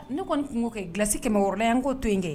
Ne kɔni tun'o kɛ gsi kɛmɛruyala la yan n k'o to in kɛ